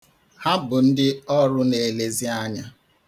Ha bụ ndị ọrụ na-elezi anya.